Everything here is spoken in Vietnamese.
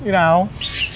như nào